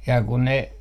ja kun ne